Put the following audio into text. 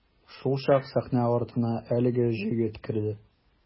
Шулчак сәхнә артына әлеге җегет керде.